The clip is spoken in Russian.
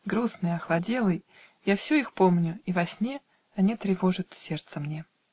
Грустный, охладелый, Я все их помню, и во сне Они тревожат сердце мне.